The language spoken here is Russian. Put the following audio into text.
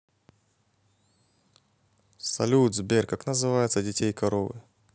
салют сбер как называют детей коровы